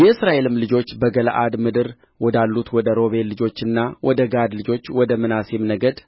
የእስራኤልም ልጆች በገለዓድ ምድር ወዳሉት ወደ ሮቤል ልጆችና ወደ ጋድ ልጆች ወደ ምናሴም ነገድ